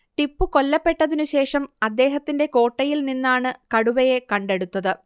ടിപ്പൂ കൊല്ലപ്പെട്ടതിനുശേഷം അദ്ദേഹത്തിന്റെ കോട്ടയിൽ നിന്നാണ് കടുവയെ കണ്ടെടുത്തത്